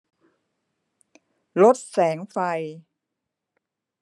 ลดแสงไฟ